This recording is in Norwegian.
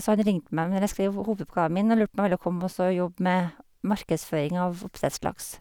Så han ringte meg me når jeg skrev hovedoppgaven min og lurte på om jeg ville komme og så jobbe med markedsføring av oppdrettslaks.